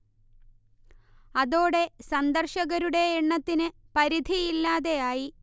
അതോടെ സന്ദർശകരുടെ എണ്ണത്തിന് പരിധിയില്ലാതെ ആയി